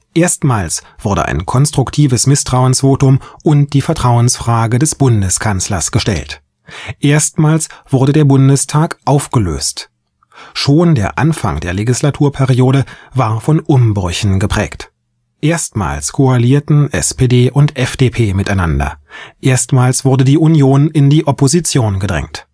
Erstmals wurde ein konstruktives Misstrauensvotum und die Vertrauensfrage des Bundeskanzlers gestellt, erstmals wurde der Bundestag aufgelöst. Schon der Anfang der Legislaturperiode war von Umbrüchen geprägt: Erstmals koalierten SPD und FDP miteinander, erstmals wurde die Union in die Opposition gedrängt